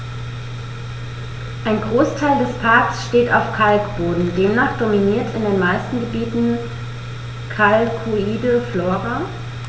Ein Großteil des Parks steht auf Kalkboden, demnach dominiert in den meisten Gebieten kalkholde Flora.